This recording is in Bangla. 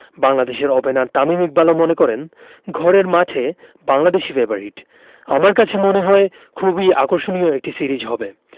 বাংলাদেশের ওপেনার তামিম ইকবালও মনে করেন ঘরের মাঠে বাংলাদেশই ফেবারিট আমার কাছে মনে হয় খুবই আকর্ষণীয় একটা সিরিজ হবে